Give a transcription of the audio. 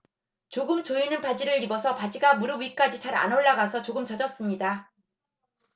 조금 조이는 바지를 입어서 바지가 무릎 위까지 잘 안 올라가서 조금 젖었습니다